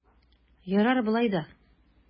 Ярар болай да!